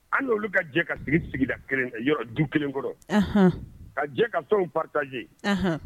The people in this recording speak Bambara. An nolu ka jɛ ka sigi sigi yɔrɔ du kelen kɔrɔ ɔnhɔn ka jɛ ka fɛnw partage